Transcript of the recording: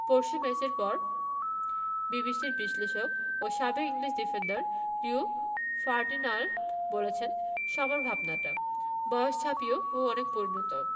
পরশু ম্যাচের পর বিবিসির বিশ্লেষক ও সাবেক ইংলিশ ডিফেন্ডার রিও ফার্ডিনান্ডই বলেছেন সবার ভাবনাটা বয়স ছাপিয়েও ও অনেক পরিণত